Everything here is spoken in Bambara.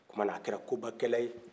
o kumana a kɛra koba kɛla ye